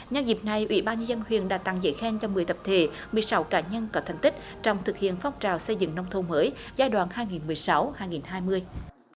nhân dịp này ủy ban nhân dân huyện đã tặng giấy khen cho mười tập thể mười sáu cá nhân có thành tích trong thực hiện phong trào xây dựng nông thôn mới giai đoạn hai nghìn mười sáu hai nghìn hai mươi